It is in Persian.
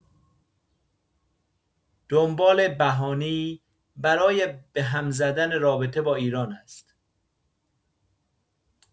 دنبال بهانه‌ای برای به هم زدن رابطه با ایران است!